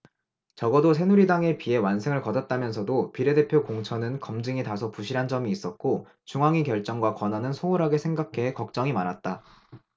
적어도 새누리당에 비해 완승을 거뒀다면서도 비례대표 공천은 검증이 다소 부실한 점이 있었고 중앙위 결정과 권한을 소홀하게 생각해 걱정이 많았다